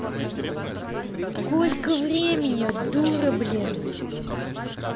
сколько время дура блин